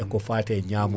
eko faate ñamon